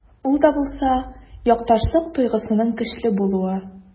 Ул да булса— якташлык тойгысының көчле булуы.